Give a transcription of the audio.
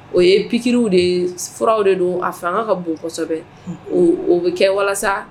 O ye pkiiririw de furaw de don a fɛ an ka ka bon kosɛbɛ o bɛ kɛ walasa